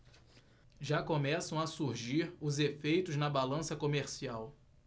já começam a surgir os efeitos na balança comercial